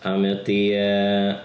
A mae o 'di yy...